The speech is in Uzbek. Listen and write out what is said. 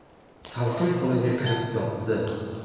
salqin xonaga kirib yotdi